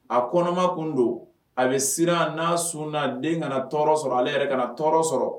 A kɔnɔma kun don a bɛ siran n'a sun na den kana na tɔɔrɔ sɔrɔ ale yɛrɛ ka na tɔɔrɔ sɔrɔ